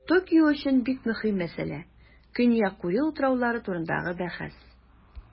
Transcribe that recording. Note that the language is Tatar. Токио өчен бик мөһим мәсьәлә - Көньяк Курил утраулары турындагы бәхәс.